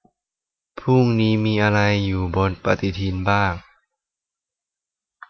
พรุ่งนี้มีอะไรอยู่บนปฎิทินบ้าง